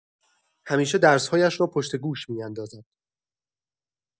همیشه درس‌هایش را پشت گوش می‌اندازد.